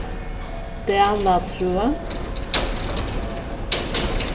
dalatrøð